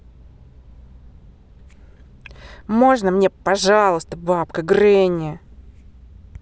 можно мне пожалуйста бабка гренни